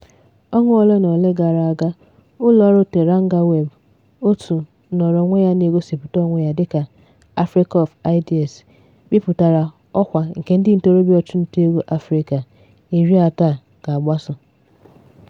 Ọnwa ole na ole gara aga, ụlọọrụ Terangaweb, òtù nọọrọ onwe ya na-egosịpụta onwe ya dịka "Africa of Ideas", bipụtara ọkwa nke ndị ntorobịa ọchụntaego Afrịka 30 a ga-agbaso.